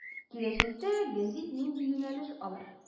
Киләчәктә гәзит нинди юнәлеш алыр.